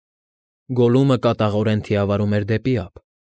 Գոլլումը կատաղորեն թիավարում էր դեպի ափ։